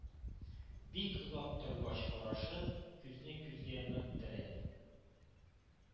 Бик озак торгач карашып, күзне күзгә нык терәп,